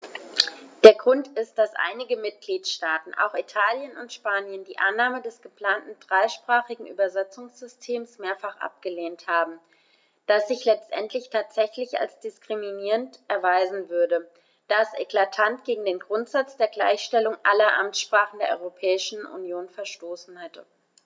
Der Grund ist, dass einige Mitgliedstaaten - auch Italien und Spanien - die Annahme des geplanten dreisprachigen Übersetzungssystems mehrfach abgelehnt haben, das sich letztendlich tatsächlich als diskriminierend erweisen würde, da es eklatant gegen den Grundsatz der Gleichstellung aller Amtssprachen der Europäischen Union verstoßen hätte.